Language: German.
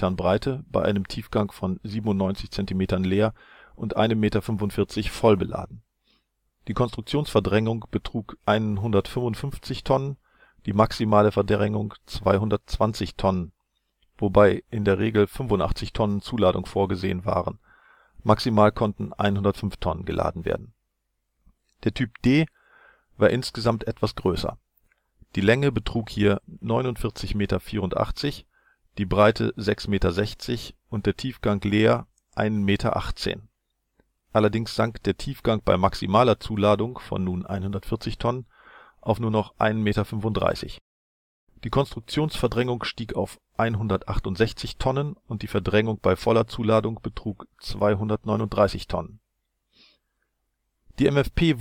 MFP